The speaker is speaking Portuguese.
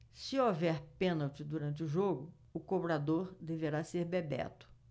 se houver pênalti durante o jogo o cobrador deverá ser bebeto